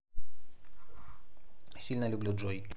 сильно люблю джой